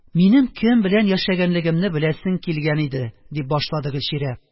Минем кем белән яшәгәнлегемне беләсең килгән иде, – дип башлады Гөлчирә,